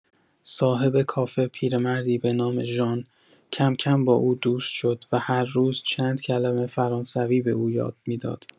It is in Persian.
صاحب کافه، پیرمردی به نام ژان، کم‌کم با او دوست شد و هر روز چند کلمه فرانسوی به او یاد می‌داد.